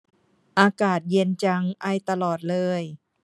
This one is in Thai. อากาศเย็นจังไอตลอดเลย